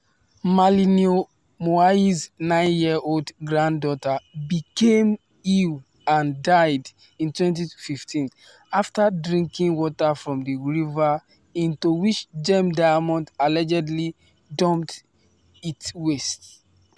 Malineo Moahi’s nine-year-old granddaughter became ill and died in 2015 after drinking water from the river into which Gem Diamonds allegedly dumped its waste.